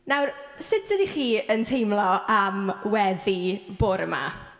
Nawr, sut ydych chi yn teimlo am weddi bore 'ma?